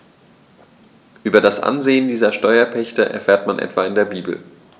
Über das Ansehen dieser Steuerpächter erfährt man etwa in der Bibel.